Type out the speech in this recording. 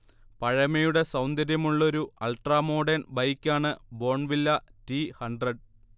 പഴമയുടെ സൗന്ദര്യമുള്ളൊരു അൾട്രാമോഡേൺ ബൈക്കാണ് ബോൺവില്ല ടി ഹൺഡ്രഡ്